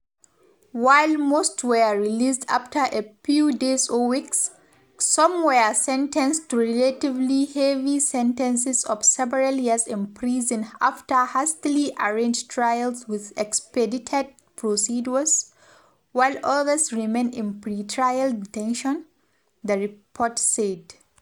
“While most were released after a few days or weeks, some were sentenced to relatively heavy sentences of several years in prison after hastily arranged trials with expedited procedures, while others remained in pretrial detention,” the report said.